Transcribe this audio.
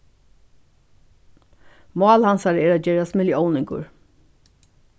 mál hansara er at gerast millióningur